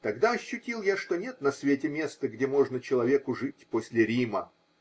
Тогда ощутил я, что нет на свете места, где можно человеку жить после Рима